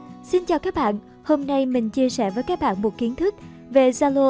xin chào các bạn hôm nay mình xin chia sẻ với các bạn kiến thức về zalo official account